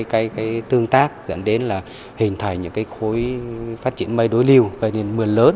cái cái tương tác dẫn đến là hình thành những cái khối phát triển mây đối lưu gây lên mưa lớn